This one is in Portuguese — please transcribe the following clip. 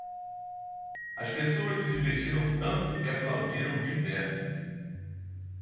as pessoas se divertiram tanto que aplaudiram de pé